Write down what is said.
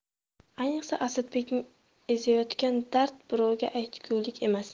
ayniqsa asadbekni ezayotgan dard birovga aytgulik emas